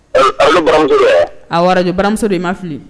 A warajɛ baramuso de ma fili